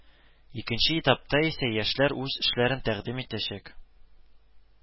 Икенче этапта исә яшьләр үз эшләрен тәкъдим итәчәк